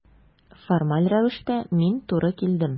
Формаль рәвештә мин туры килдем.